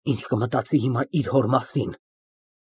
Ի՞նչ կմտածի հիմա իր հոր մասին։